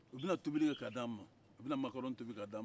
u bɛna tobili kɛ k'a d'an ma u bɛna makarɔni tobi k'a d'an ma